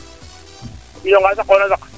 o ɓiyo ngaa saqona saq